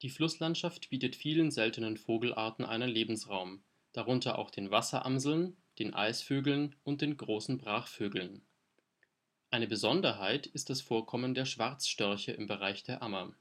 Flusslandschaft bietet vielen seltenen Vogelarten einen Lebensraum, darunter auch den Wasseramseln, den Eisvögeln und den Großen Brachvögeln. Eine Besonderheit ist das Vorkommen der Schwarzstörche im Bereich der Ammer